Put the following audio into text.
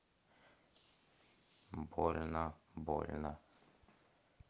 больно больно